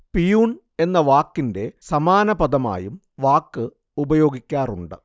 peon എന്ന വാക്കിന്റെ സമാന പദമായും വാക്ക് ഉപയോഗിക്കാറുണ്ട്